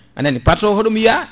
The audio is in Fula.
anani par ce que hoɗum yiya